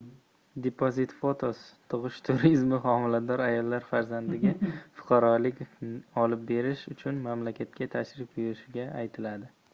depositphotos tug'ish turizmi homilador ayollar farzandiga fuqarolik olib berish uchun mamlakatga tashrif buyurishiga aytiladi